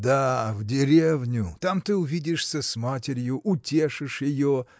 – Да, в деревню: там ты увидишься с матерью, утешишь ее.